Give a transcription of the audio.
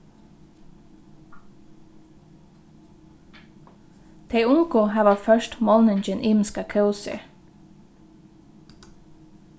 tey ungu hava ført málningin ymiskar kósir